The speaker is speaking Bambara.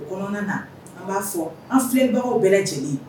O kɔnɔna na an b'a fɔ an filɛbagaw bɛɛ lajɛleneni